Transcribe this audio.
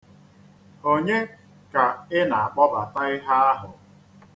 Onye ka ị na-akpọbata ihe ahụ?